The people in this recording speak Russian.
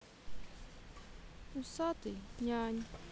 усатый нянь